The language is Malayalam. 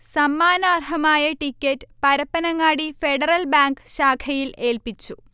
സമ്മാനർഹമായ ടിക്കറ്റ് പരപ്പനങ്ങാടി ഫെഡറൽ ബാങ്ക് ശാഖയിൽ ഏൽപിച്ചു